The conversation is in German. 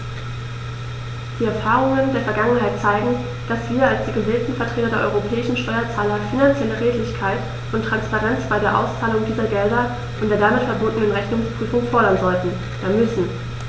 Die Erfahrungen der Vergangenheit zeigen, dass wir als die gewählten Vertreter der europäischen Steuerzahler finanzielle Redlichkeit und Transparenz bei der Auszahlung dieser Gelder und der damit verbundenen Rechnungsprüfung fordern sollten, ja müssen.